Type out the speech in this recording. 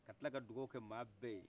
ka tila ka dugawu kɛ maa bɛ ye